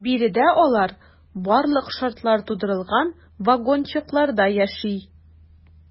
Биредә алар барлык шартлар тудырылган вагончыкларда яши.